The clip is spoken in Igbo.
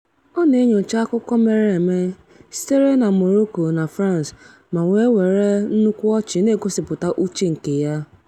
Ọ na-enyocha akụkọ mereeme sitere na Morocco na France ma wee were nnukwu ọchị na-egosipụta uche nke ya.